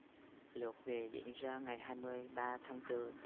lượt về diễn ra ngày hai mươi ba tháng tư